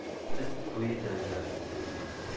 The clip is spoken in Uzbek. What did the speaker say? it to'yi janjalsiz o'tmas